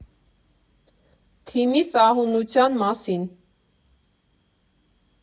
ԹԻՄԻ ՍԱՀՈՒՆՈՒԹՅԱՆ ՄԱՍԻՆ։